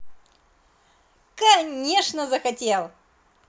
конечно захотел